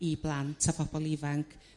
i blant a pobol ifanc